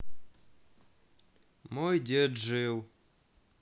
мой дед жил